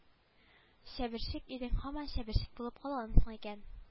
Чәберчек идең һаман чәберчек булып калгансың икән